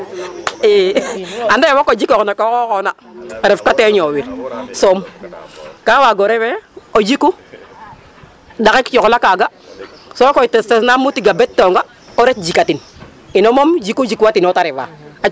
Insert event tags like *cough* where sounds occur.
*laughs* Ande fok o jikoox no ke xooxoona refkatee ñoowir soom ka waag o ref ee o jiku ɗaxik coxla kaaga sokoy testesna mu tig a betonga o ret jikatin ino moom jiku jikwatin o ta refa.